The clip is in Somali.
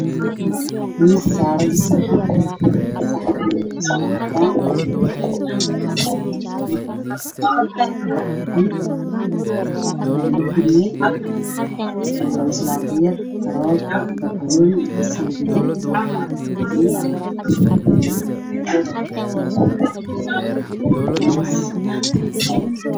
Waa miis miis ka waxaa saaran saxan midab kiisu yahay cadaan waxaa saran ansalaato